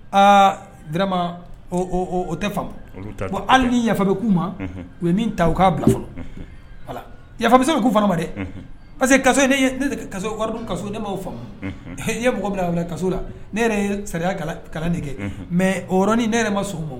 Aa d o tɛ fa ko hali ni yafafɛbe kuma ma u ye min ta u k'a bila fɔlɔ yafafamusosa' fana ma dɛ parce que ka waridu kaso ne' o faamu ye mɔgɔ min kaso la ne yɛrɛ ye sariya kalan de kɛ mɛ oɔrɔnin ne yɛrɛ ma so ma